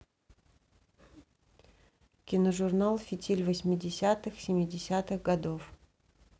киножурнал фитиль восьмидесятых семидесятых годов